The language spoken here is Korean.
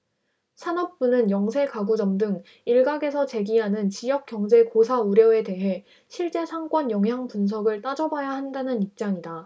산업부는 영세 가구점 등 일각에서 제기하는 지역경제 고사 우려에 대해 실제 상권 영향분석을 따져봐야 한다는 입장이다